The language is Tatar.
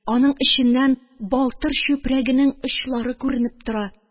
Аның эченнән балтыр чүпрәгенең очлары күренеп тора.